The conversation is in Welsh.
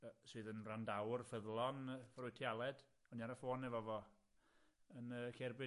Yy sydd yn wrandawr ffyddlon yr wyt ti Aled, o'n i ar y ffôn efo fo yn yy cerbyd